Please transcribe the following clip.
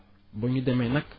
ba ñu demee nag